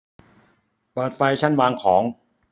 เปิดไฟชั้นวางของ